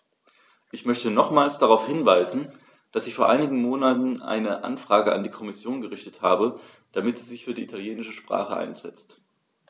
Ich möchte nochmals darauf hinweisen, dass ich vor einigen Monaten eine Anfrage an die Kommission gerichtet habe, damit sie sich für die italienische Sprache einsetzt.